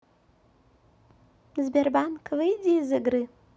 сбербанк выйди из игры